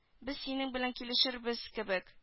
Без синең белән килешербез кебек